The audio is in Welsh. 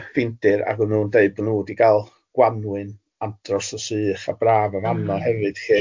Ffindir ac o'n nhw'n deud bod nhw wedi cael Gwanwyn andros o sych a braf yn fano hefyd lly. Ia.